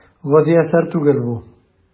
Гади әсәр түгел бу.